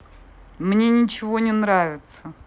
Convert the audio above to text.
мне ничего не нравится